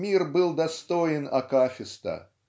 мир был достоин акафиста.